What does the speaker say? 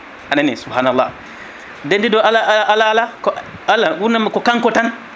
anani soubahana Allah dendiɗo Allah ko Allah gurdam ko kanko tan